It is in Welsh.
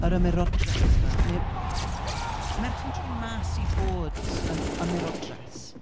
yr ymerodres 'ma. Neu merch sy'n troi mas i fod yn ymerodres.